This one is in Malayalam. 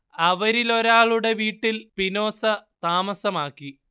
അവരിലൊരാളുടെ വീട്ടിൽ സ്പിനോസ താമസമാക്കി